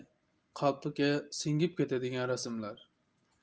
qalbga singib ketadigan rasmlar